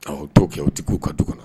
Aw tɔ kɛ o tɛ k'u ka du kɔnɔ